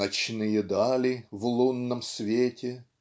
Ночные дали в лунном свете.